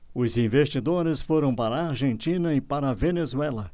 os investidores foram para a argentina e para a venezuela